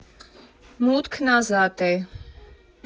Մուտքն ազատ է։